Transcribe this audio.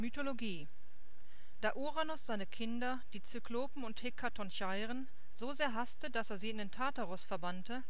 Da Uranos seine Kinder – die Kyklopen und Hekatoncheiren – so sehr hasste, dass er sie in den Tartaros verbannte